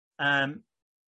yym